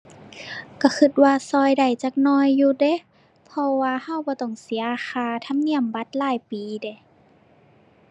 ก็ก็ว่าก็ได้จักหน่อยอยู่เดะ เพราะว่าก็บ่ต้องเสียค่าธรรมเนียมบัตรรายปีเดะ